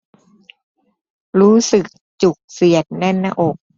รู้สึกจุกเสียดแน่นหน้าอก